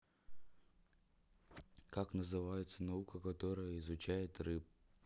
как называется наука которая изучает рыб